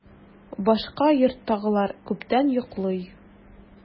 Башка йорттагылар күптән йоклый.